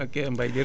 waa jërëjëf